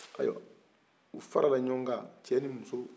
ayiwa u fara la ɲɔgɔn kan cɛ ni muso